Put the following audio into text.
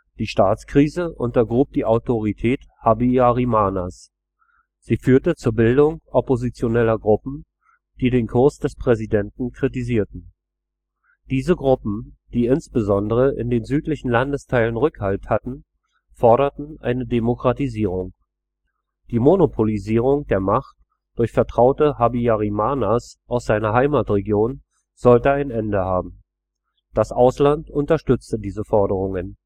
Die Staatskrise untergrub die Autorität Habyarimanas. Sie führte zur Bildung oppositioneller Gruppen, die den Kurs des Präsidenten kritisierten. Diese Gruppen, die insbesondere in den südlichen Landesteilen Rückhalt hatten, forderten eine Demokratisierung. Die Monopolisierung der Macht durch Vertraute Habyarimanas aus seiner Heimatregion sollte ein Ende haben. Das Ausland unterstützte diese Forderungen